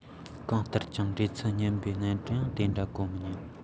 གང ལྟར ཀྱང འགྲོས ཚད སྙོམ པའི གནམ གྲུ ཡང དེ འདྲ བཀོད མི ཉན